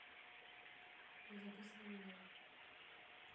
не записывай меня